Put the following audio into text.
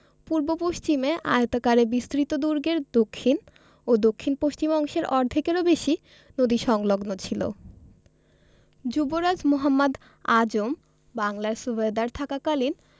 পূর্ব পশ্চিমে আয়তাকারে বিস্তৃত দুর্গের দক্ষিণ ও দক্ষিণপশ্চিম অংশের অর্ধেকেরও বেশি নদী সংলগ্ন ছিল' যুবরাজ মুহম্মদ আজম বাংলার সুবাহদার থাকাকালীন